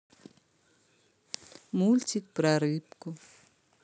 мультик про рыбку